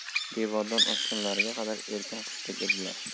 dovondan oshgunlariga qadar erkin qushdek edilar